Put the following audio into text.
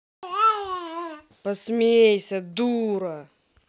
посмейся дура